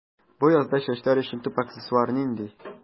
Бу язда чәчләр өчен төп аксессуар нинди?